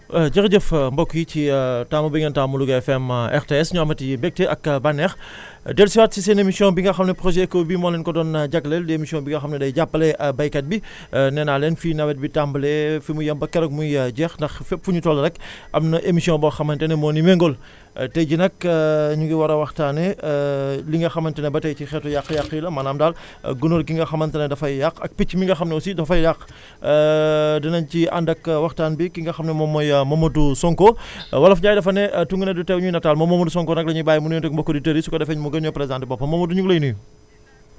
jërëjëf mbokk yi ci taamu bi ngeen taamu Louga FM RTS ñu amat mbégte ak bànneex dellusiwaat si seen émission bi nga xam ne projet ECHO bi moo leen ko doon jagleel di émission bi nga xam ne day jàppale béykat bi neenaa leen fii nawet bi tàmbalee fi mu yem ba keroog muy jeex ndax fépp fu ñu toll rek am na émission boo xamante ne moo ni méngóol tey jii nag ñu ngi war a waxtaanee li nga xamante ne ba tey ci xeetu yàq-yàq yi la maanaam daal gunóor gi nga xamante ne dafay yàq ak picc mi nga xam ne aussi dafay yàq dinañ ci ànd ak waxtaan bi ki nga xam ne moom mooy Momadou Sonko wolof Ndiaye dafa ne tungune du teew ñuy nataal moom Momadou Sonka nag la ñuy bàyyi mu nuyonteeg mbokku auditeurs yi su ko defee mu gën ñoo présenter boppam Momadou ñu ngi lay nuyu